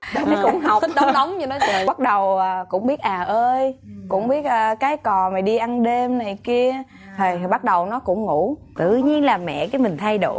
cũng học bắt đầu cũng biết à ơi cũng biết cái cò đi ăn đêm này kia thì bắt đầu nó cũng ngủ tự nhiên là mẹ mình thay đổi